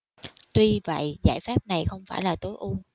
tuy vậy giải pháp này không phải là tối ưu